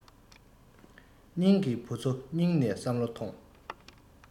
སྙིང གི བུ ཚོ སྙིང ནས བསམ བློ མཐོང